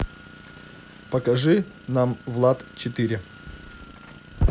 покажи нам влад четыре